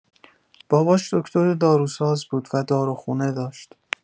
باباش دکتر داروساز بود و داروخونه داشت.